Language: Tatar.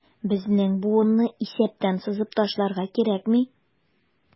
Безнең буынны исәптән сызып ташларга кирәкми.